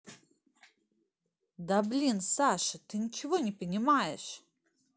да блин саша ты ничего не понимаешь